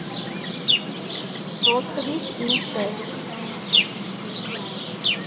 Մոսկվիչ, իմ սե՜ր։